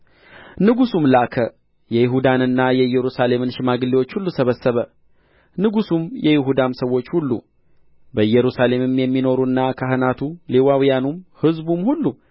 ንጉሡም ላከ የይሁዳንና የኢየሩሳሌምንም ሽማግሌዎች ሁሉ ሰበሰበ ንጉሡም የይሁዳም ሰዎች ሁሉ በኢየሩሳሌምም የሚኖሩና ካህናቱ ሌዋውያኑም ሕዝቡም ሁሉ